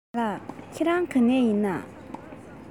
རྒན ལགས ཁྱེད རང ག ནས ཡིན ན